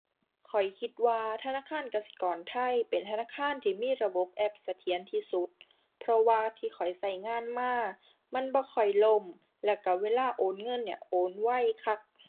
ข้อยคิดว่าธนาคารกสิกรไทยเป็นธนาคารที่มีระบบแอปเสถียรที่สุด เพราะว่าที่ข้อยใช้งานมามันบ่ค่อยล่ม แล้วใช้เวลาโอนเงินเนี่ย โอนไวคัก